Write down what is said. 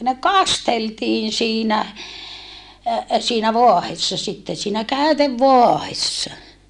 ne kasteltiin siinä siinä vaahdossa sitten siinä käytevaahdossa